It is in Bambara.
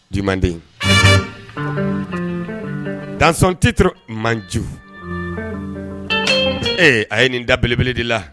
Du mandé dans son titre manju ɛɛ a ye nin da belebele de la.